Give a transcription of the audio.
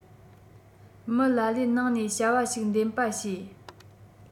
མི ལ ལས ནང ནས བྱ བ ཞིག འདེམས པ བྱེད